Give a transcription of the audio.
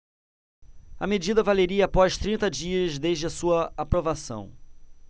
a medida valeria após trinta dias desde a sua aprovação